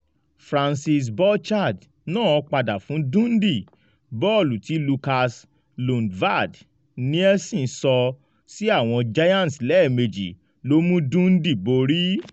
Francois Bouchard náà padà fún Dundee. Bọ́ọlù tí Lukas Lundvald Nielsen sọ sí àwọ̀n Giants lẹ́ẹ̀mejì ló mu Dundee borí.